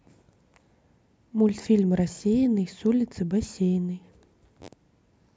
мультфильм рассеянный с улицы бассейной